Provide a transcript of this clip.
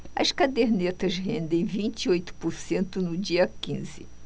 as cadernetas rendem vinte e oito por cento no dia quinze